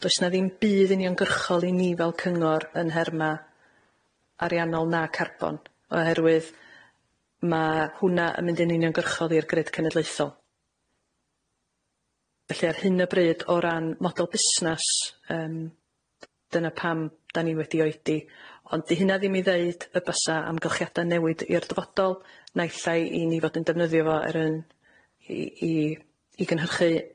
does 'na ddim budd uniongyrchol i ni fel cyngor yn nherma, ariannol na carbon, oherwydd ma' hwnna yn mynd yn uniongyrcholi'r grid cenedlaethol. Felly ar hyn o bryd o ran model busnas yym dyna pam 'dan ni wedi oedi ond 'di hynna ddim i ddeud y bysa amgylchiada newid i'r dyfodol naill ai i ni fod yn defnyddio fo er yn i i i gynhyrchu